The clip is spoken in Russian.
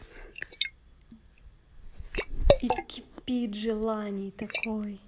и кипит желаний такой